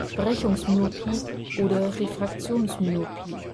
Brechungsmyopie oder Refraktionsmyopie